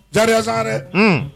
Zakariya Sangarɛ, hun,